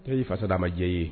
Li fasa d a ma diya ye